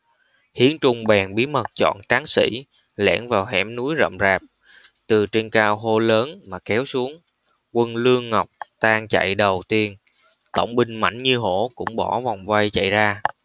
hiến trung bèn bí mật chọn tráng sĩ lẻn vào hẻm núi rậm rạp từ trên cao hô lớn mà kéo xuống quân lương ngọc tan chạy đầu tiên tổng binh mãnh như hổ cũng bỏ vòng vây chạy ra